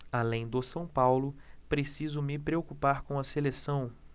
além do são paulo preciso me preocupar com a seleção